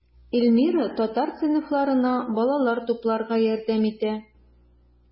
Эльмира татар сыйныфларына балалар тупларга ярдәм итә.